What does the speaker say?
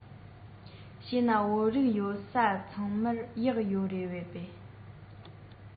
བྱས ན བོད རིགས ཡོད ས ཚང མར གཡག ཡོད རེད པས